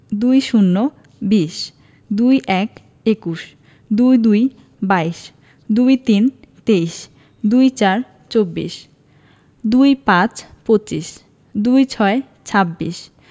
২০ - বিশ ২১ – একুশ ২২ – বাইশ ২৩ – তেইশ ২৪ – চব্বিশ ২৫ – পঁচিশ ২৬ – ছাব্বিশ